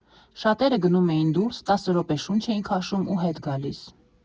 Շատերը գնում էին դուրս, տասը րոպե շունչ էին քաշում ու հետ գալիս։